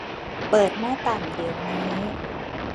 เปิดหน้าต่างเดี๋ยวนี้